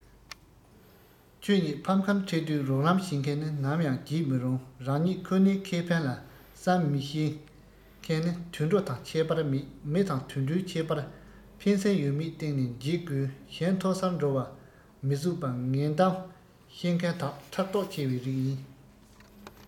ཁྱོད ཉིད ཕམ ཁར འཕྲད དུས རོགས རམ བྱེད མཁན ནི ནམ ཡང རྗེད མི རུང རང ཉིད ཁོ ནའི ཁེ ཕན ལ བསམ མི ཤེས མཁན ནི དུད འགྲོ དང ཁྱད པར མེད མི དང དུད འགྲོའི ཁྱད པར ཕན སེམས ཡོད མེད སྟེང ནས འབྱེད དགོས གཞན མཐོ སར འགྲོ བ མི བཟོད པ ངན གཏམ བཤད མཁན དག ཕྲག དོག ཆེ བའི རིགས ཡིན